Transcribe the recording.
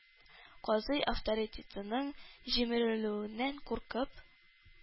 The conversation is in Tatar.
Казый, авторитетының җимерелүеннән куркып,